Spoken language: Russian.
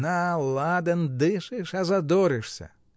— На ладан дышишь, а задоришься!